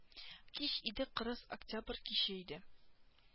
Кич иде кырыс октябрь киче иде